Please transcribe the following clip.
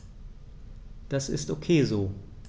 Das ist ok so.